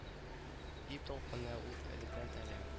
- дип талпына ул әледән-әле